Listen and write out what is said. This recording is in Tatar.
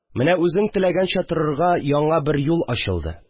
Менә үзең теләгәнчә торырга яңа бер юл ачылды